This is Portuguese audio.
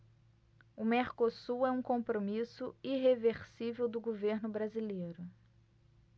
o mercosul é um compromisso irreversível do governo brasileiro